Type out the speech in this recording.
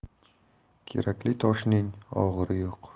kerakli toshning og'iri yo'q